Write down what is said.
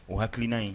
O hakiliki nina ye